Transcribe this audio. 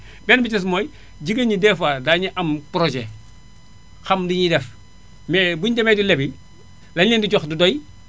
beneen bi ci des mooy jigéen ñi dès fois daañu am projet xam li ñuy def mais bu ñu demee di leb i la ñu leen di jox du doy